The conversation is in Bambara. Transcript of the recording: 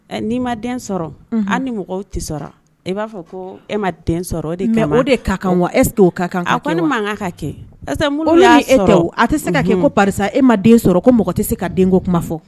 Ni'i ma den sɔrɔ an ni mɔgɔw tɛ sɔrɔ e ba fɔ e ma den sɔrɔ o de ka kan wa e kan ka kɛ tɛ a tɛ se ka kɛ ko e ma den sɔrɔ ko mɔgɔ tɛ se ka den ko kuma fɔ